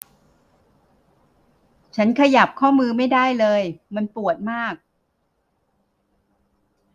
ฉันขยับข้อมือไม่ได้เลยมันปวดมาก